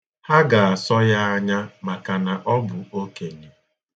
Ha ga-asọ ya anya maka na ọ bụ okenye.